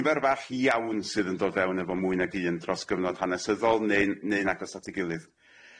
Nifer fach iawn sydd yn dod fewn efo mwy nag un dros gyfnod hanesyddol neu'n neu'n agos at ei gilydd.